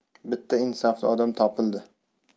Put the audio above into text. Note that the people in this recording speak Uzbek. bitta insofli odam topildi